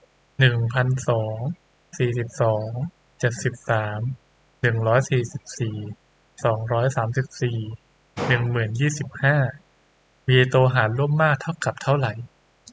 หนึ่งพันสองสี่สิบสองเจ็ดสิบสามหนึ่งร้อยสี่สิบสี่สองร้อยสามสิบสี่หนึ่งหมื่นยี่สิบห้ามีตัวหารร่วมมากเท่ากับเท่าไหร่